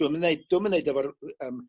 dwm yn neud dwm yn neud efo'r yy yym